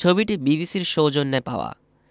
ছবিটি বিবিসির সৌজন্যে পাওয়া